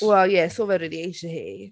Wel, ie, so fe rili eisie hi.